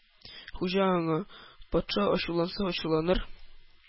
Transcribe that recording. Хуҗа аңа: Патша ачуланса ачуланыр,